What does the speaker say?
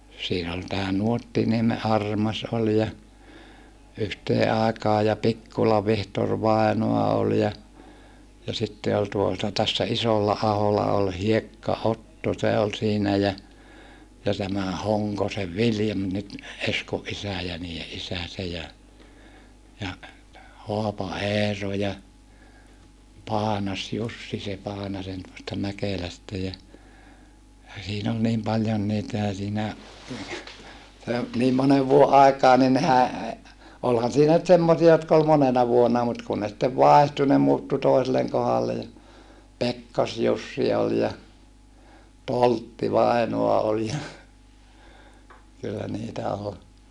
siinä oli tämä Nuottiniemen Armas oli ja yhteen aikaan ja Pikkulan Vihtori vainaa oli ja ja sitten oli tuota tässä Isolla-aholla oli Hiekka-Otto se oli siinä ja ja tämä Honkosen Viljami nyt Eskon isä ja niiden isä se ja ja Haapa-Eero ja Paanas-Jussi se Paanasen tuosta Mäkelästä ja ja siinä oli niin paljon niitä ja siinä se niin monen vuoden aikaan niin nehän olihan siinä nyt semmoisia jotka oli monena vuonna mutta kun ne sitten vaihtui ne muuttui toiselle kohdalle ja Pekkas-Jussi oli ja Toltti-vainaa oli ja kyllä niitä oli